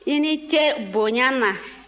i ni ce bonya na